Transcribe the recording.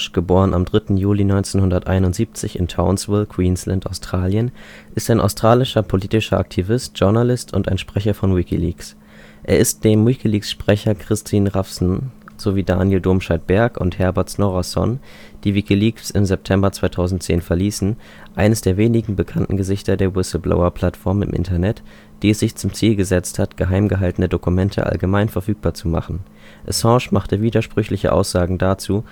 * 3. Juli 1971 in Townsville, Queensland, Australien) ist ein australischer politischer Aktivist, Journalist und ein Sprecher von WikiLeaks. Er ist neben WikiLeaks-Sprecher Kristinn Hrafnsson sowie Daniel Domscheit-Berg und Herbert Snorrason, die WikiLeaks im September 2010 verließen, eines der wenigen bekannten Gesichter der Whistleblower-Plattform im Internet, die es sich zum Ziel gesetzt hat, geheim gehaltene Dokumente allgemein verfügbar zu machen. Assange machte widersprüchliche Aussagen dazu